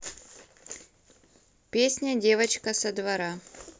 песня девчонка со двора